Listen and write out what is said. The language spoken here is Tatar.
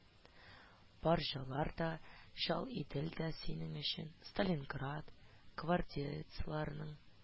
Баржалар да, чал идел дә синең өчен, сталинград, гвардеецларның